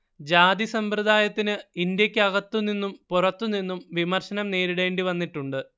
ജാതിസമ്പ്രദായത്തിനു ഇന്ത്യക്കകത്തുനിന്നും പുറത്തുനിന്നും വിമർശനം നേരീടേണ്ടി വന്നിട്ടുണ്ട്